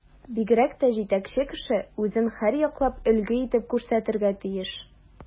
Бигрәк тә җитәкче кеше үзен һәрьяклап өлге итеп күрсәтергә тиеш.